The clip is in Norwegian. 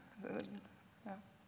ja.